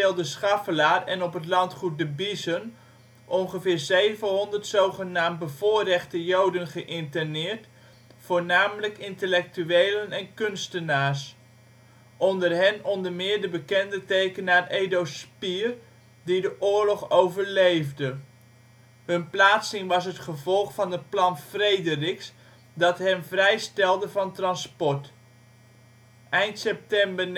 De Schaffelaar en op het landgoed De Biezen ongeveer 700 zogenaamd " bevoorrechte " Joden geïnterneerd, voornamelijk intellectuelen en kunstenaars. Onder hen onder meer de bekende tekenaar Edo Spier, die de oorlog overleefde. Hun plaatsing was het gevolg van het plan-Frederiks dat hen vrijstelde van transport. Eind september